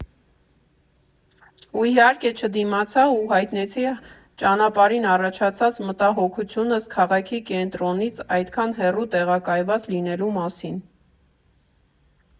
Ու, իհարկե, չդիմացա ու հայտնեցի ճանապարհին առաջացած մտահոգությունս՝ քաղաքի կենտրոնից այդքան հեռու տեղակայված լինելու մասին։